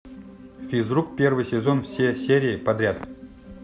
физрук первый сезон все серии подряд